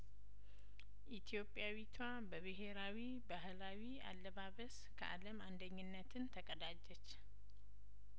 ኢትዮጵያዊቷ በብሄራዊ ባህላዊ አለባበስ ከአለም አንደኝነትን ተቀዳጀች